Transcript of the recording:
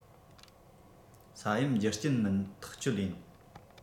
ས ཡོམ རྒྱུ རྐྱེན མིན ཐག གཅོད ཡིན